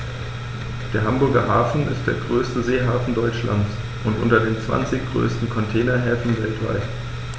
Der Hamburger Hafen ist der größte Seehafen Deutschlands und unter den zwanzig größten Containerhäfen weltweit.